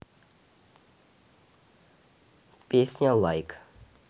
песня like